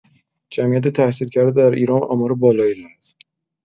جمعیت تحصیلکرده در ایران آمار بالایی دارد.